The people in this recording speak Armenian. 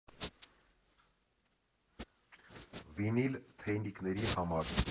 Վինիլ Թեյնիկների համար։